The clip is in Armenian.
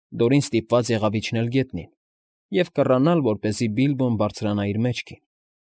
Դորին ստիպված եղավ իջնել գետնին և կռանալ, որպեսզի Բիլբոն բարձրանա իր մեջքին։